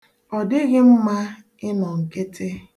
Ọ dịghị mma ịnọ nkịtị.